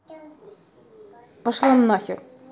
пошла нахер